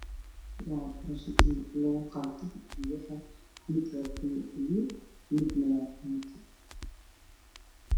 Waa buraash lagu qaato biyaha midna waa buluug buluug midna waa biinji